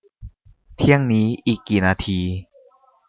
เที่ยงนี้อีกกี่นาที